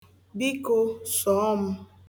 Biko, sọọ m.